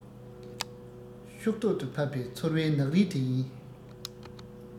ཤོག ཐོག ཏུ ཕབ པའི ཚོར བའི ནག རིས དེ ཡིན